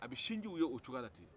a bɛ sinjiw y'o cogoya la ten